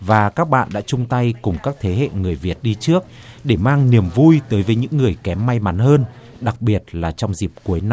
và các bạn đã chung tay cùng các thế hệ người việt đi trước để mang niềm vui tới với những người kém may mắn hơn đặc biệt là trong dịp cuối năm